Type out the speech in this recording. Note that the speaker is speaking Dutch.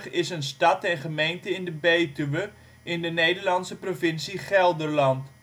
is een stad en gemeente in de Betuwe, in de Nederlandse provincie Gelderland